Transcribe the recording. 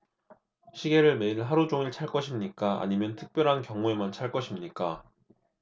시계를 매일 하루 종일 찰 것입니까 아니면 특별한 경우에만 찰 것입니까